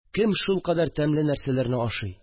Кем шулкадәр тәмле нәрсәләрне ашый